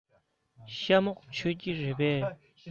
ཤ མོག མཆོད ཀྱི རེད པས